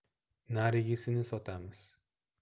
narigisini sotamiz